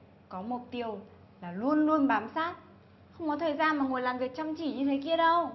có mục tiêu là luôn luôn bám sát không có thời gian mà ngồi làm việc chăm chỉ như thế kia đâu